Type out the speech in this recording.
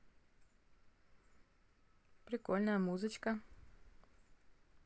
прикольная музычка